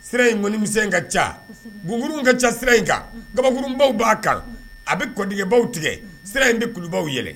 Sira in ŋɔni misɛnw ka ca, ŋuŋuruw ka ca sira in kan, kabakurunbaw b'a kan a bɛ kɔdiɲɛbaw tigɛ, sira in bɛ kulubaw yɛlɛn